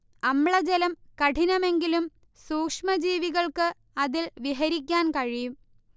അമ്ലജലം കഠിനമെങ്കിലും സൂക്ഷ്മ ജീവികൾക്ക് അതിൽ വിഹരിക്കാൻ കഴിയും